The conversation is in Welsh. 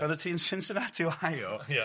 raddet ti'n Cincinnati, Ohio... Ia...